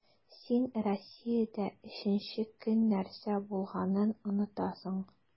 Син Россиядә өченче көн нәрсә булганын онытасың.